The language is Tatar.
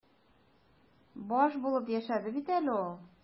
Баш булып яшәде бит әле ул.